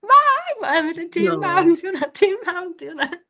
Mam! a wedyn... Waw! ..."Dim mam 'di hwnna! Dim mam 'di hwnna!"